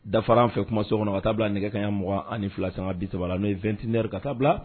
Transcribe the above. Dafara an fɛ kuma so kɔnɔ ka taa bila nɛgɛ kayaugan ani ni fila caman bisaba la n'o ye wtɛnɛri ka taa bila